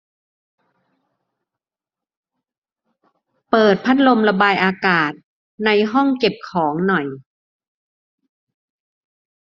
เปิดพัดลมระบายอากาศในห้องเก็บของหน่อย